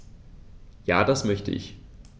Ja, das möchte ich.